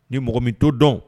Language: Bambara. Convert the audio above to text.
Ni mɔgɔ min to dɔn